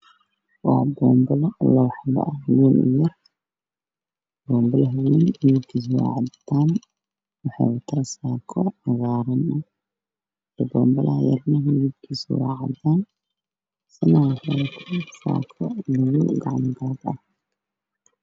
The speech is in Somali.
Waa boombalo labo xabo mid yar boombalo wayn midabkiisa waa cadaan waxa uh wataa saako cagaaran boombalo yarna midabkiisa waa cadaan waxuu wataa saako gacmo gaab madow.